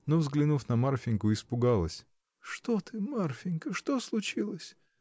Но взглянув на Марфиньку, испугалась. — Что ты, Марфинька? Что случилось?